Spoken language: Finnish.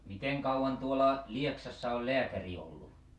miten kauan tuolla Lieksassa oli lääkäri ollut